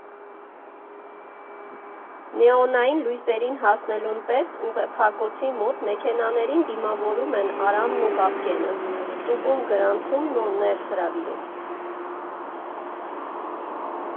Նեոնային լույսերին հասնելուն պես ուղեփակոցի մոտ մեքենաներին դիմավորում են Արամն ու Բաբկենը, ստուգում գրանցումն ու ներս հրավիրում։